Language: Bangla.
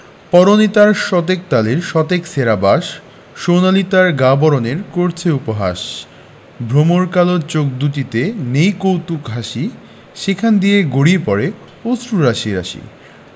পরনে তার শতেক তালির শতেক ছেঁড়া বাস সোনালি তার গা বরণের করছে উপহাস ভমর কালো চোখ দুটিতে নেই কৌতুক হাসি সেখান দিয়ে গড়িয়ে পড়ে অশ্রু রাশি রাশি